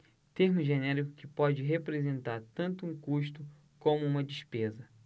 termo genérico que pode representar tanto um custo como uma despesa